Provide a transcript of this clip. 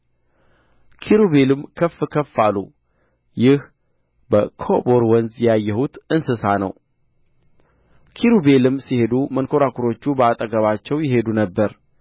ኪሩቤልም ከፍ ከፍ አሉ ይህ በኮቦር ወንዝ ያየሁት እንስሳ ነው ኪሩቤልም ሲሄዱ መንኰራኵሮቹ በአጠገባቸው ይሄዱ ነበር